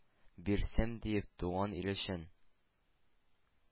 Бирсәм, диеп, туган ил өчен».